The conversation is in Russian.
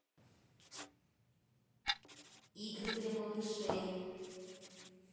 игры для малышей